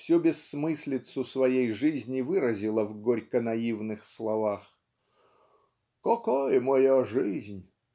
всю бессмыслицу своей жизни выразила в горько-наивных словах "Какая моя жизнь?